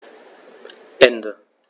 Ende.